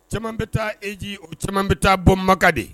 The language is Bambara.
Cɛman bɛ taa eeji o cɛman bɛ taa bɔMakan de!